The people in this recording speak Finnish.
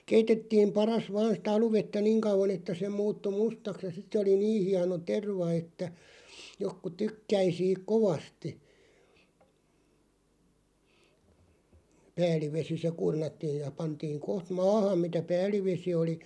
keitettiin padassa vain sitä aluvettä niin kauan että se muuttui mustaksi ja sitten se oli niin hieno terva että jotkut tykkäsi siitä kovasti päällivesi se kurnattiin ja pantiin kohta maahan mitä päällisvesi oli